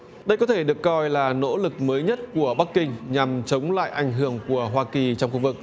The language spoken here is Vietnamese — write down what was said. đây có thể được coi là nỗ lực mới nhất của bắc kinh nhằm chống lại ảnh hưởng của hoa kỳ trong khu vực